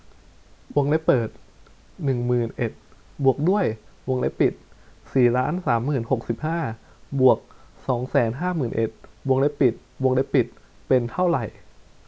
วงเล็บเปิดหนึ่งหมื่นเอ็ดบวกด้วยวงเล็บเปิดสี่ล้านสามหมื่นหกสิบห้าบวกสองแสนห้าหมื่นเอ็ดวงเล็บปิดวงเล็บปิดเป็นเท่าไหร่